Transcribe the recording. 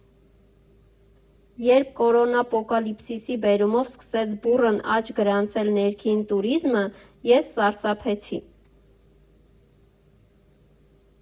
Երբ կորոնապոկալիպսիսի բերումով սկսեց բուռն աճ գրանցել ներքին տուրիզմը, ես սարսափեցի։